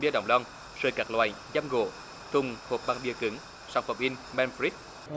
biết đồng đâm xuyên các loại dăm gỗ thùng hộp bằng bìa cứng trong ca bin men rít